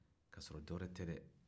k'a sɔrɔ dɔ wɛrɛ tɛ dɛ